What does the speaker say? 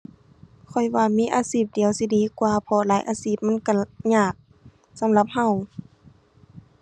ข้อยว่ามีอาชีพเดียวสิดีกว่า เพราะหลายอาชีพมันก็ยาก สำหรับก็